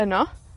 yno,